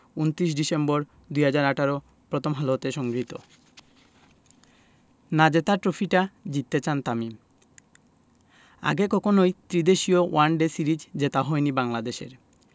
২৯ডিসেম্বর ২০১৮ প্রথম আলো হতে সংগৃহীত না জেতা ট্রফিটা জিততে চান তামিম আগে কখনোই ত্রিদেশীয় ওয়ানডে সিরিজ জেতা হয়নি বাংলাদেশের